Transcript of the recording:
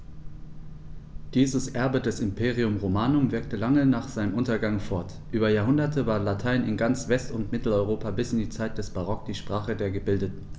Dieses Erbe des Imperium Romanum wirkte lange nach seinem Untergang fort: Über Jahrhunderte war Latein in ganz West- und Mitteleuropa bis in die Zeit des Barock die Sprache der Gebildeten.